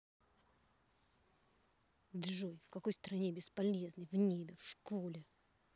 джой в какой стране бесполезный в небе в школе